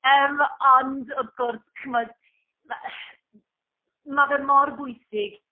Yym ond wrth gwrs, chimod, ma' ma' fe mor bwysig...